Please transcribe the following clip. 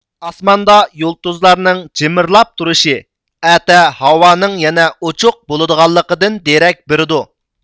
ئاسماندا يۇلتۇزلارنىڭ جىمىرلاپ تۇرۇشى ئەتە ھاۋانىڭ يەنە ئوچۇق بولىدىغانلىقىدىن دېرەك بېرىدۇ